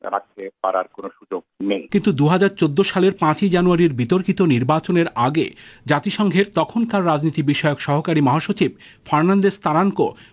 রাখতে পারার কোন সুযোগ নেই কিন্তু ২০১৪ সালে পাঁচই জানুয়ারির বিতর্কিত নির্বাচন এর আগে জাতিসংঘের তখনকার রাজনীতিবিষয়ক সহকারী মহাসচিব ফার্নান্দেজ তারানকো